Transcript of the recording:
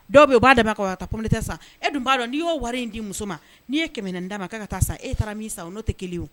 Dɔw bɛ u b'aba ka tɛ sa e dun b' dɔn n' y'o wari in di muso ma n'i ye kɛmɛɛna d'a ma' ka taa sa e taara min sa no tɛ kelen